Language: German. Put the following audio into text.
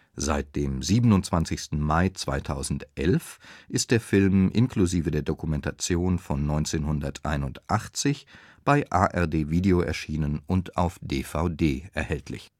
Seit dem 27. Mai 2011 ist der Film inklusive der Dokumentation von 1981 bei ARD-Video erschienen und auf DVD erhältlich